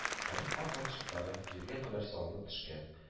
Аның ап-ак чуклары җиргә кадәр салынып төшкән